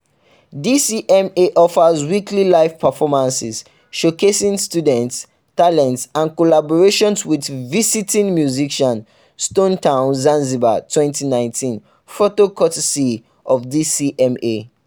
DCMA offers weekly live performances showcasing students’ talents and collaborations with visiting musicians, Stone Town, Zanzibar, 2019. Photo courtesy of DCMA.